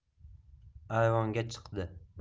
ayvonga chiqdi